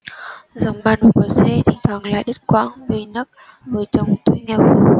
giọng bà nội của c thỉnh thoảng lại đứt quãng vì nấc vợ chồng tui nghèo khổ